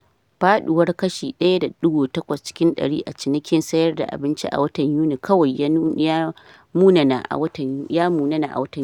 Faduwar kashi 1.8 cikin dari a cinikin sayar da abinci a watan Yuni kawai ya munana a watan Yuli.